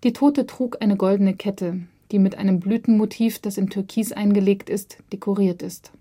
Tote trug eine goldene Kette, die mit einem Blütenmotiv, das in Türkis eingelegt ist, dekoriert ist